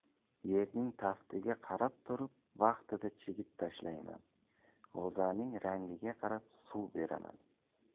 yerning taftiga qarab turib vaqtida chigit tashlayman g'o'zaning rangiga qarab suv beraman